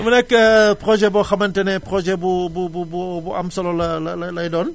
mu nekk projet boo xamante ne projet bu bu bu bu bu am solo la la lay doon